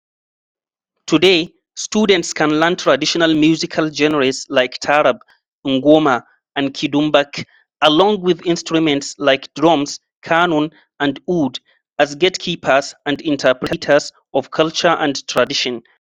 Today, students can learn traditional musical genres like taarab, ngoma and kidumbak, along with instruments like drums, qanun and oud, as gatekeepers — and interpreters — of culture and tradition.